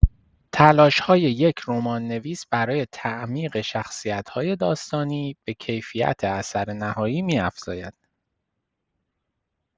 تلاش‌های یک رمان‌نویس برای تعمیق شخصیت‌های داستانی، به کیفیت اثر نهایی می‌افزاید.